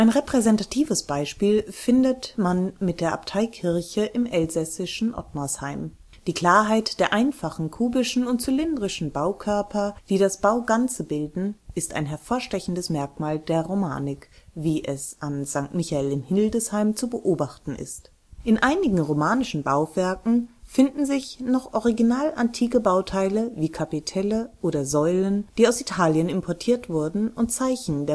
repräsentatives Beispiel findet man mit der Abteikirche im elsässischen Ottmarsheim. Die Klarheit der einfachen, kubischen oder zylindrischen Baukörper, die das Bauganze bilden, ist ein hervorstechendes Merkmal der Romanik, wie es an St. Michael in Hildesheim zu beobachten ist. In einigen romanischen Bauwerken finden sich noch originale antike Bauteile wie Kapitelle oder Säulen (Spolien), die aus Italien importiert wurden und Zeichen